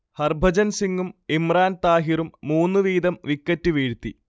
ഹർഭജൻ സിങ്ങും ഇമ്രാൻ താഹിറും മൂന്ന് വീതം വിക്കറ്റ് വീഴ്ത്തി